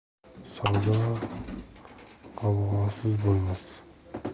savdo g'avg'osiz bo'lmas